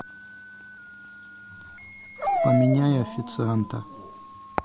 поменяй официанта